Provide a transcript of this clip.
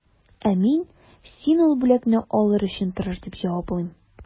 Ә мин, син ул бүләкне алыр өчен тырыш, дип җаваплыйм.